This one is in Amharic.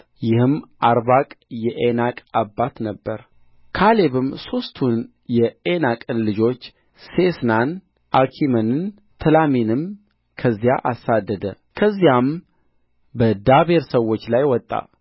ይህም አርባቅ የዔናቅ አባት ነበረ ካሌብም ሦስቱን የዔናቅን ልጆች ሴሲንና አኪመንን ተላሚንም ከዚያ አሳደደ ከዚያም በዳቤር ሰዎች ላይ ወጣ